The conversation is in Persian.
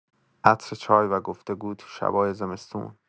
عطر چای و گفت‌وگو تو شبای زمستون